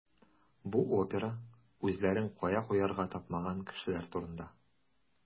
Бу опера үзләрен кая куярга тапмаган кешеләр турында.